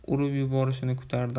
urib yuborishini kutardi